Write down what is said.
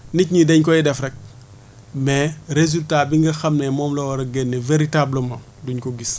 nit ñi dañ koy def rek mais résultat bi nga xam ne moom la war a génne véritablement du ñu ko gis